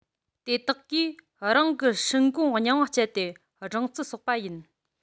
དེ དག གིས རང གི སྲིན གོང རྙིང བ སྤྱད དེ སྦྲང རྩི གསོག པ ཡིན